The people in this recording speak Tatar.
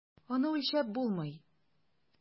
Аны үлчәп булмый.